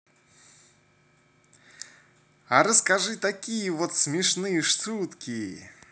а расскажи такие вот смешные шутки